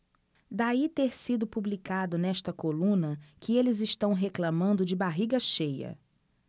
daí ter sido publicado nesta coluna que eles reclamando de barriga cheia